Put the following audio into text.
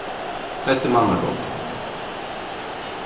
hetta er mannagongdin